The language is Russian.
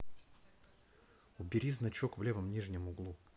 убери значок в левом нижнем углу